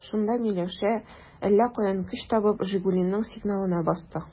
Шунда Миләүшә, әллә каян көч табып, «Жигули»ның сигналына басты.